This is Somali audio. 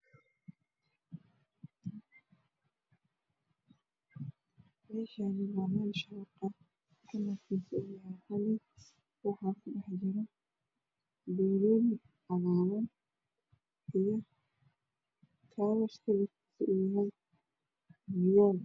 Meeshaani waa meel shabaq ah kalarkiisu uu yahay qalin waxaa ku dheh jiro barbarooni cagaaran iyo kaabash kalarkiisu yahay fiyool